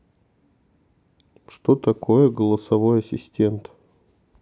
что такое голосовой ассистент